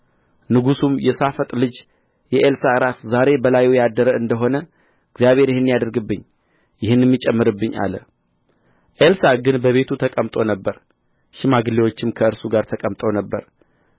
ንጉሡም የሣፋጥ ልጅ የኤልሳዕ ራስ ዛሬ በላዩ ያደረ እንደ ሆነ እግዚአብሔር ይህን ያድርግብኝ ይህንም ይጨምርብኝ አለ ኤልሳዕ ግን በቤቱ ተቀምጦ ነበር ሽማግሌዎችም ከእርሱ ጋር ተቀምጠው ነበር